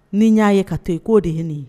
N'i y'a ye ka to yen k'o de ye nin ye